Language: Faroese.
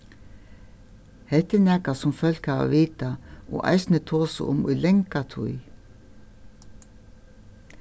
hetta er nakað sum fólk hava vitað og eisini tosað um í langa tíð